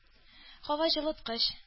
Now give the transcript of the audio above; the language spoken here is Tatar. Һаваҗылыткыч